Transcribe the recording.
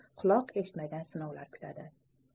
quloq eshitmagan sinovlar kutadi